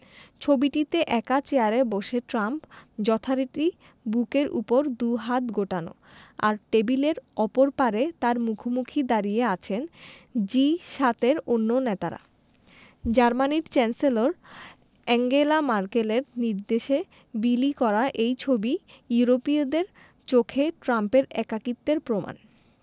ছবিটিতে একা চেয়ারে বসে ট্রাম্প যথারীতি বুকের ওপর দুই হাত গোটানো আর টেবিলের অপর পারে তাঁর মুখোমুখি দাঁড়িয়ে আছেন জি ৭ এর অন্য নেতারা জার্মানির চ্যান্সেলর আঙ্গেলা ম্যার্কেলের নির্দেশে বিলি করা এই ছবি ইউরোপীয়দের চোখে ট্রাম্পের একাকিত্বের প্রমাণ